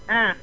ah